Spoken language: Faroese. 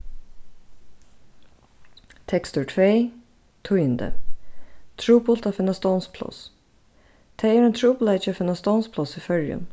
tekstur tvey tíðindi trupult at finna stovnspláss tað er ein trupulleiki at finna stovnspláss í føroyum